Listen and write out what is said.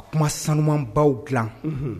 A kuma sanuuma baw dilan